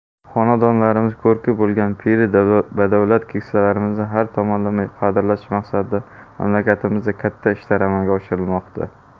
xonadonlarimiz ko'rki bo'lgan piri badavlat keksalarimizni har tomonlama qadrlash maqsadida mamlakatimizda katta ishlar amalga oshirilmoqda